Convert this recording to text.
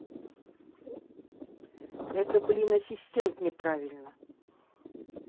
это блин ассистент неправильно